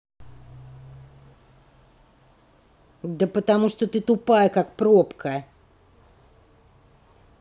да потому что ты тупая как пробка